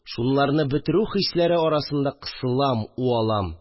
Шунларны бетерү хисләре арасында кысылам, уалам